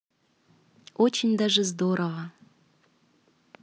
очень даже здорово